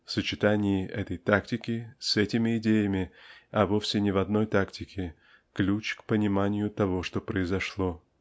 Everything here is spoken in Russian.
В сочетании этой тактики с этими идеями а вовсе не в одной тактике -- ключ к пониманию того что произошло.